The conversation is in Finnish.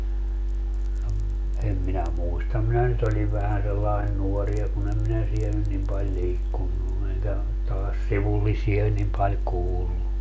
no - en minä muista minä nyt olin vähän sellainen nuori ja kun en minä siellä nyt niin paljon liikkunut enkä taas sivullisia niin paljon kuullut